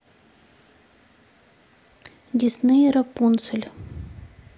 дисней рапунцель